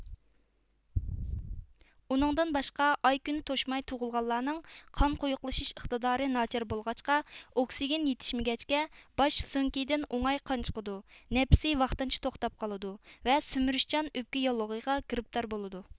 ئۇنىڭدىن باشقا ئاي كۈنى توشماي تۇغۇلغانلارنىڭ قان قويۇقلىشىش ئىقتىدارى ناچار بولغاچقا ئوكسىگېن يېتىشمىگەچكە باش سۆڭىكىدىن ئوڭاي قان چىقىدۇ نەپسى ۋاقىتىنىچە توختاپ قالىدۇ ۋە سۈمۈرۈشچان ئۆپكە ياللۇغىغا گىرىپتار بولىدۇ